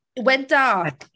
It went dark.